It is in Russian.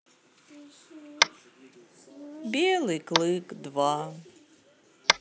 белый клык два